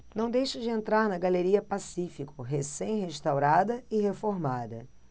não deixe de entrar na galeria pacífico recém restaurada e reformada